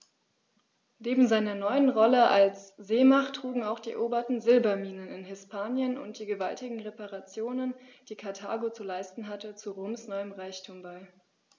Neben seiner neuen Rolle als Seemacht trugen auch die eroberten Silberminen in Hispanien und die gewaltigen Reparationen, die Karthago zu leisten hatte, zu Roms neuem Reichtum bei.